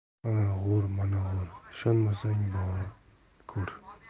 ana go'r mana go'r ishonmasang borib ko'r